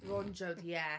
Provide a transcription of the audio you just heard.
Ron Jones, ie.